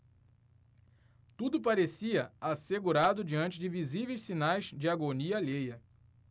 tudo parecia assegurado diante de visíveis sinais de agonia alheia